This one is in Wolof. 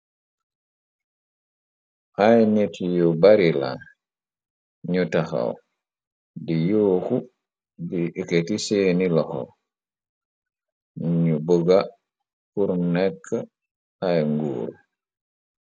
ay nit yu barilan ñu taxaw di yooku di eketi seeni loxo nu buga purnekk ay nguuru.